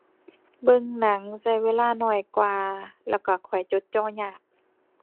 เบิ่งหนังใช้เวลาน้อยกว่า แล้วใช้ข้อยจดจ่อยาก